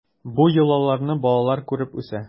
Бу йолаларны балалар күреп үсә.